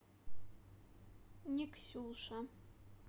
нексюша